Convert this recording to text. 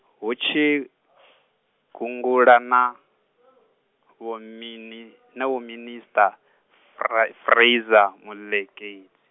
hu tshi , gungula na, Vho Mini- na Vhominista Fra- Fraser-Moleketi.